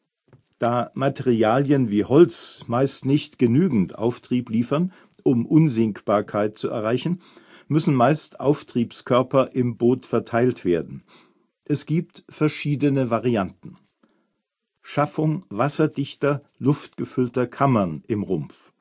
Da Materialien wie Holz meist nicht genügend Auftrieb liefern, um Unsinkbarkeit zu erreichen, müssen meist Auftriebskörper im Boot verteilt werden. Es gibt verschiedene Varianten: Schaffung wasserdichter, luftgefüllter Kammern im Rumpf